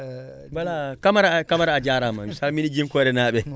voilà Camara